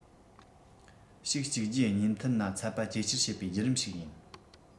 ཞིག གཅིག རྗེས གཉིས མཐུད ན ཚད པ ཇེ ཆེར བྱེད པའི བརྒྱུད རིམ ཞིག ཡིན